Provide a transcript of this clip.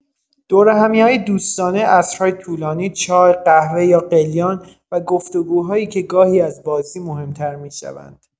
دورهمی‌های دوستانه، عصرهای طولانی، چای، قهوه یا قلیان و گفت‌وگوهایی که گاهی از بازی مهم‌تر می‌شوند.